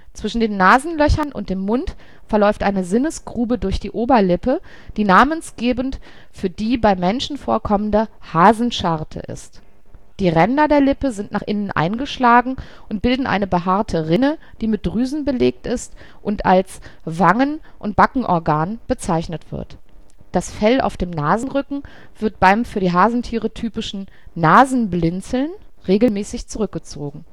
Zwischen den Nasenlöchern und dem Mund verläuft eine Sinnesgrube durch die Oberlippe, die namensgebend für die bei Menschen vorkommende „ Hasenscharte “ist. Die Ränder der Lippe sind nach innen eingeschlagen und bilden eine behaarte Rinne, die mit Drüsen belegt ist und als „ Wangen - und Backenorgan “bezeichnet wird. Das Fell auf dem Nasenrücken wird beim für die Hasentiere typischen „ Nasenblinzeln “regelmäßig zurückgezogen